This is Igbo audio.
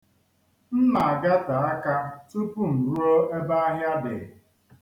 M na-agate aka tupu m ruo ebe ahịa dị.